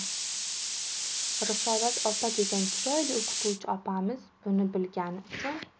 risolat opa degan chiroyli o'qituvchiopamiz buni bilgani uchun